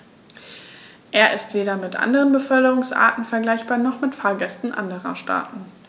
Er ist weder mit anderen Beförderungsarten vergleichbar, noch mit Fahrgästen anderer Staaten.